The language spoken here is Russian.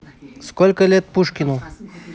сколько лет пушкину